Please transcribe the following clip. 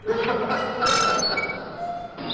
A little bit.